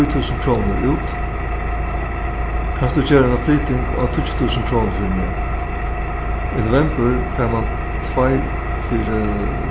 trý túsund krónur út kanst tú gera eina flyting á tíggju túsund krónur fyri meg í novembur fær mann tveir fyri